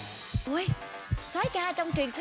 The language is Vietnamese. ối soái ca trong truyền